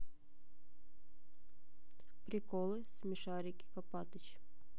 приколы смешарики копатыч